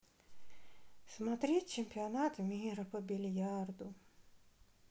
смотреть чемпионат мира по бильярду